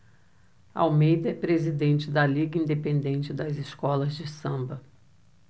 almeida é presidente da liga independente das escolas de samba